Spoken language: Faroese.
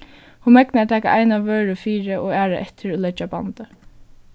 hon megnar at taka eina vøru fyri og aðra eftir og leggja á bandið